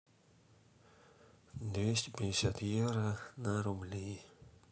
двести пятьдесят евро на рубли